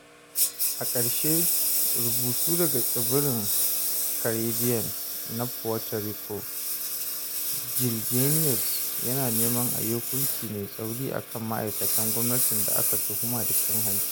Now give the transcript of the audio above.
A ƙarshe, rubutu daga tsibirin Carbbean na Puerto Rico, Gil Jenius yana neman ayi hukunci mai tsauri a kan ma'aikatan gwamnati da aka tuhuma da cin-hanci